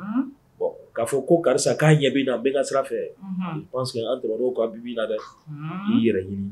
'a fɔ ko karisa k'a ɲɛ na a bɛ sira fɛ dɔrɔn kaina dɛ i yɛrɛ